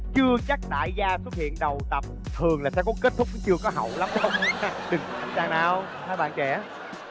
chưa chắc đại gia xuất hiện đầu tập thường là sẽ có kết thúc chưa có hậu lắm đừng đằng nào hai bạn trẻ